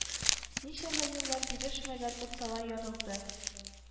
Ничәмә еллар бирешмәгән урталай ярылды